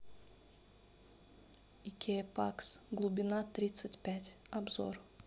икея пакс глубина тридцать пять обзор